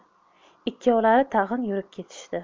ikkovlari tag'in yurib ketishdi